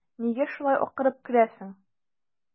Нигә шулай акырып керәсең?